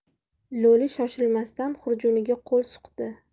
lo'li shoshilmasdan xurjuniga qo'l suqdi